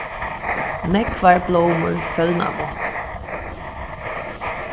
nógvar blómur følnaðu